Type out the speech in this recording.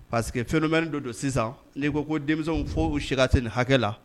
Parceriseke fɛnmenen don don sisan n'i ko ko denmisɛnw fɔ uu se ten hakɛ la